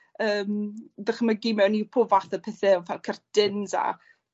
yym dychmygu mewn i pob fath o pethe fel cyrtins a